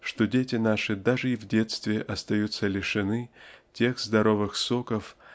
Что дети наши даже и в детстве остаются лишены тех здоровых соков